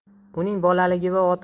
uning bolaligi va ota